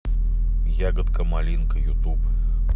ягода малинка ютуб